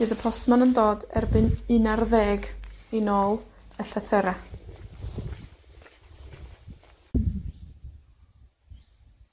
Bydd y postmon yn dod erbyn un ar ddeg i nôl y llythyra'.